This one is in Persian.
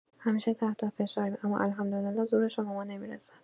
همیشه تحت فشاریم اما الحمدلله زورشان به ما نمی‌رسد.